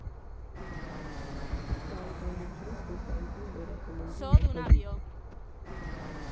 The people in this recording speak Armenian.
«ԲԱՐԵԿԱՄՈՒԹՅՈՒՆ» ԶԲՈՍԱՅԳՈՒ ՎԵՐԱԾՆՆԴԻ ՆԱԽԱԳԻԾ։